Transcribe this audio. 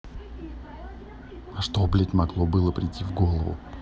а что блядь могло было прийти в голову